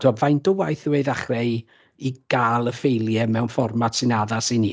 tibod faint o waith yw e i ddechrau i i gael y ffeiliau mewn fformat sy'n addas i ni?